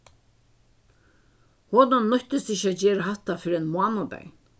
honum nýttist ikki at gera hatta fyrr enn mánadagin